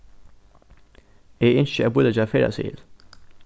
eg ynski at bíleggja ferðaseðil